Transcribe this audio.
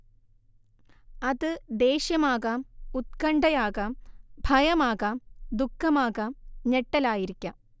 അത് ദേഷ്യമാകാം ഉത്കണ്ഠയാകാം ഭയമാകാം ദുഃഖമാകാം ഞെട്ടലായിരിക്കാം